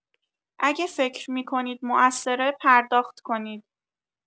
اگه فکر می‌کنید موثره پرداخت کنید.